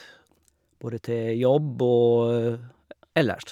Både til jobb og, ja, ellers.